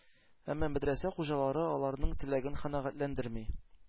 Әмма мәдрәсә хуҗалары ал арның теләген канәгатьләндерми.